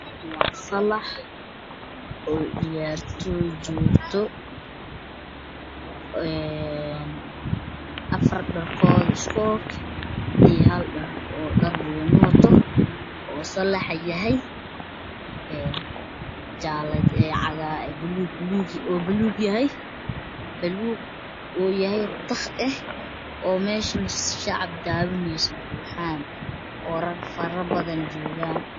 Waa salax ay ciyaartoy joogto afar dharkoodu isku eg iyo hal oo dhar gooni wadto oo salaxa yahay baluug tiq eh meeshane shacab dawaneyso buuxan joogan Niman badan joogaan